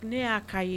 Ne y'a'a ye